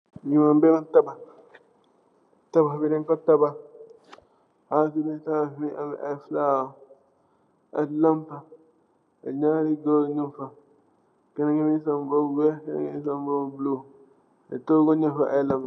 Li danye ku tabakh, tabakh bi danye ku tabakh bi mungi am ay flower ,ak lampa. Amna goor yufa neka, kenaki mungi sol mboba bi weex, keneen ki mungi sol mboba bu bulo.